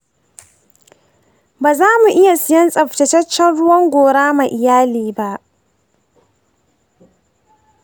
baza mu iya siyan tsaftataccen ruwan gora ma iyali ba.